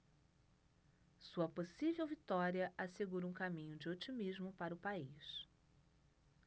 sua possível vitória assegura um caminho de otimismo para o país